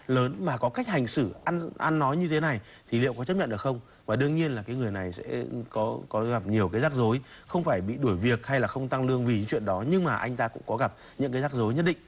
lớn mà có cách hành xử ăn ăn nói như thế này thì liệu có chấp nhận được không và đương nhiên là cái người này sẽ có có gặp nhiều cái rắc rối không phải bị đuổi việc hay là không tăng lương vì cái chuyện đó nhưng mà anh ta cũng có gặp những cái rắc rối nhất định